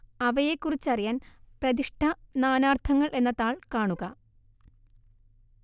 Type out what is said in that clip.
അവയെക്കുറിച്ചറിയാൻ പ്രതിഷ്ഠ നാനാർത്ഥങ്ങൾ എന്ന താൾ കാണുക